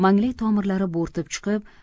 manglay to mirlari bo'rtib chiqib